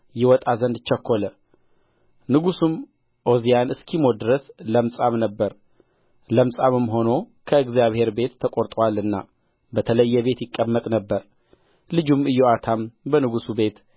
ይወጣ ዘንድ ቸኰለ ንጉሡም ዖዝያን እስኪሞት ድረስ ለምጻም ነበረ ለምጻምም ሆኖ ከእግዚአብሔር ቤት ተቈርጦአልና በተለየ ቤት ይቀመጥ ነበር ልጁም ኢዮአታም በንጉሡ ቤት